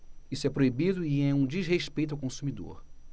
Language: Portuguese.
isso é proibido e é um desrespeito ao consumidor